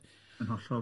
Yn hollol.